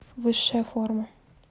высшая форма